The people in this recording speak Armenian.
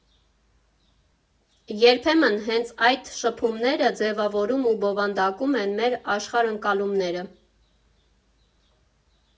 Երբեմն հենց այդ շփումները ձևավորում ու բովանդակում են մեր աշխարհընկալումները։